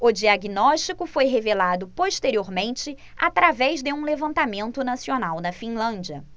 o diagnóstico foi revelado posteriormente através de um levantamento nacional na finlândia